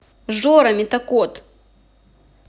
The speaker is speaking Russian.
жора метакод